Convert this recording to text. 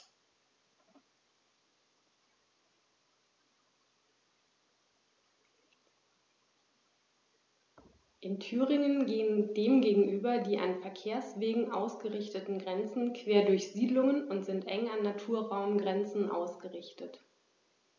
In Thüringen gehen dem gegenüber die an Verkehrswegen ausgerichteten Grenzen quer durch Siedlungen und sind eng an Naturraumgrenzen ausgerichtet.